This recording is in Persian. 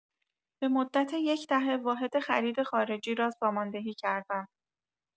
به مدت یک دهه واحد خرید خارجی را ساماندهی کردم.